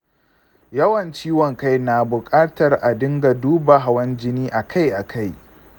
yawan ciwon kai na bukatar a dinga duba hawan jini akai-akai.